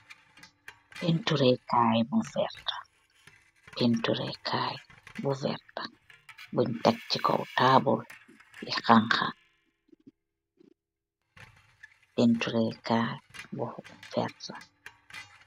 paintur ray Kai bou vert, paintur ray Kai bu vert, bun take cee kaw taable li kangkha . paintur ray Kai bu vert .